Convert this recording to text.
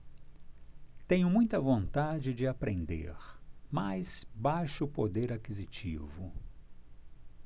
tenho muita vontade de aprender mas baixo poder aquisitivo